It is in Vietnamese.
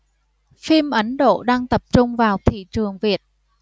phim ấn độ đang tập trung vào thị trường việt